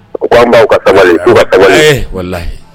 U koan u ka ka